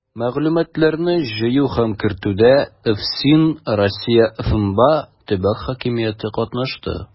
Мәгълүматларны җыю һәм кертүдә ФСИН, Россия ФМБА, төбәк хакимияте катнашты.